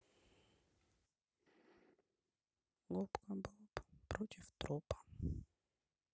губка боб против трупа